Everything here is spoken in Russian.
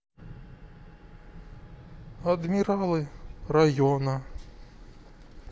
адмиралы района